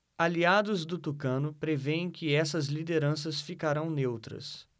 aliados do tucano prevêem que essas lideranças ficarão neutras